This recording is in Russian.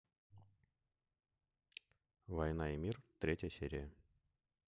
война и мир третья серия